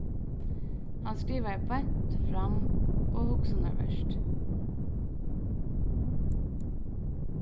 hann skrivar beint fram og hugsanarvert